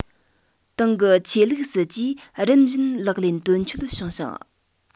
ཏང གི ཆོས ལུགས སྲིད ཇུས རིམ བཞིན ལག ལེན དོན འཁྱོལ བྱུང ཞིང